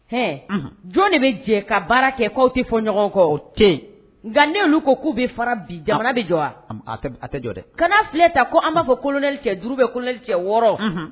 Hɛn. Unun. Jɔn de bɛ jɛ ka baara kɛ k'aw tɛ fɔ ɲɔgɔn kɔ. O tɛ yen. Nka n'olu ko k'u bɛ fara bi jamana bɛ jɔ wa? A tɛ jɔ dɛ! Kana filɛ tan ko an b'a fɔ ko colonel cɛ duuru ou bien colonel cɛ wɔɔrɔ